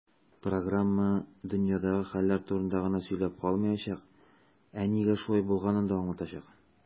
Программа "дөньядагы хәлләр турында гына сөйләп калмаячак, ә нигә шулай булганын да аңлатачак".